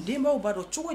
Denbaw b'a dɔn cogo